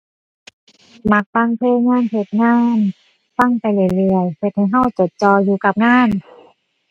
มักฟังเพลงยามเฮ็ดงาน ฟังไปเรื่อยเรื่อยเฮ็ดให้เราจดจ่ออยู่กับงาน